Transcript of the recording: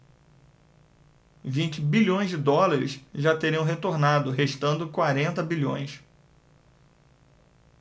vinte bilhões de dólares já teriam retornado restando quarenta bilhões